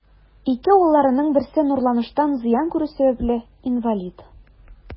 Ике улларының берсе нурланыштан зыян күрү сәбәпле, инвалид.